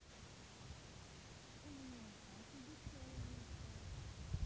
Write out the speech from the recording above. у меня и так в душе улыбка